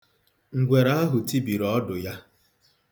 Ngwere ahụ tibiri ọdụ ya.